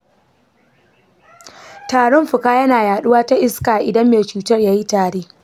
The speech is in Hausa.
tarin fuka yana yaɗuwa ta iska idan mai cutar ya yi tari.